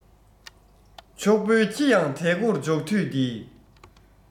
ཕྱུག པོའི ཁྱི ཡང གྲལ མགོར འཇོག དུས འདིར